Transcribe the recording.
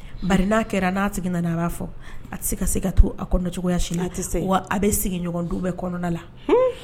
Ba n'a kɛra n'a sigi nana a b'a fɔ a tɛ se ka se ka to a kɔnɔcogoya si tɛ se wa a bɛ sigiɲɔgɔn du bɛ kɔnɔna la